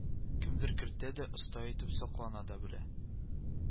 Кемдер кертә дә оста итеп саклана да белә